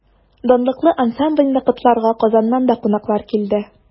Данлыклы ансамбльне котларга Казаннан да кунаклар килде.